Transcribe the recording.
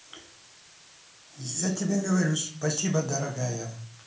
я тебе говорю спасибо дорогая